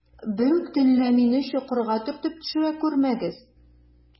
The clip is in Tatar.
Берүк төнлә мине чокырга төртеп төшерә күрмәгез.